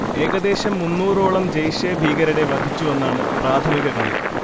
ഏകദേശം മുന്നൂറോളം ജെയ്ഷെ ഭീകരരെ വധിച്ചുവെന്നാണ് പ്രാഥമിക കണക്ക്